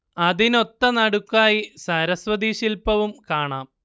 അതിനൊത്ത നടുക്കായി സരസ്വതി ശില്പവും കാണാം